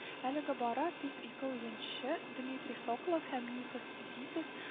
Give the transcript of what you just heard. Әлегә бара тик ике уенчы – Дмитрий Соколов һәм Никос Зисис